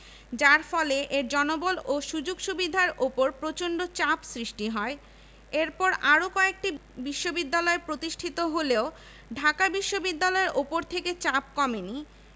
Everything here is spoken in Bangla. যার ফলে এর জনবল ও সুযোগ সুবিধার ওপর প্রচন্ড চাপ সৃষ্টি হয় এরপর আরও কয়েকটি বিশ্ববিদ্যালয় প্রতিষ্ঠিত হলেও ঢাকা বিশ্ববিদ্যালয়ের ওপর থেকে চাপ কমেনি